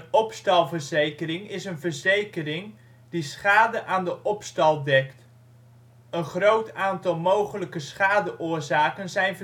opstalverzekering is een verzekering die schade aan de opstal dekt. Een groot aantal mogelijke schadeoorzaken zijn